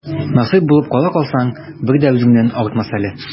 Насыйп булып ала калсаң, бер дә үзеңнән артмас әле.